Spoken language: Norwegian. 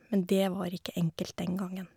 Men det var ikke enkelt den gangen.